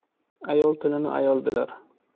ayol tilini ayol bilar